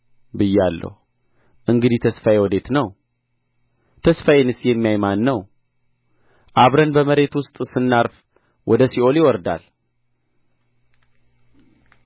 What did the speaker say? ብያለሁ እንግዲህ ተስፋዬ ወዴት ነው ተስፋዬንስ የሚያይ ማን ነው አብረን በመሬት ውስጥ ስናርፍ ወደ ሲኦል ይወርዳል